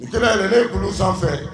U kɛra yɛrɛ ne kolon sanfɛ